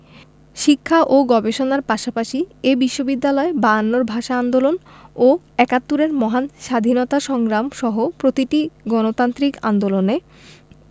শিক্ষা ও গবেষণার পাশাপাশি এ বিশ্ববিদ্যালয় বায়ান্নর ভাষা আন্দোলন ও একাত্তরের মহান স্বাধীনতা সংগ্রাম সহ প্রতিটি গণতান্ত্রিক আন্দোলনে